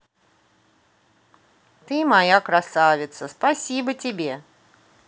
ты моя красавица спасибо тем